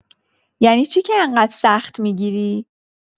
یعنی چی که انقدر سخت می‌گیری؟